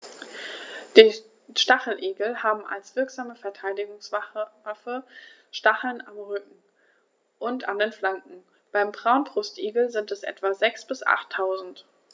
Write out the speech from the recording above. Die Stacheligel haben als wirksame Verteidigungswaffe Stacheln am Rücken und an den Flanken (beim Braunbrustigel sind es etwa sechs- bis achttausend).